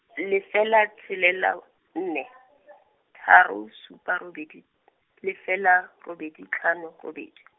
lefela tshelela, nne, tharo supa robedi , lefela, robedi tlhano, robedi.